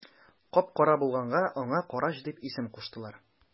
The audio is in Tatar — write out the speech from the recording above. Кап-кара булганга аңа карач дип исем куштылар.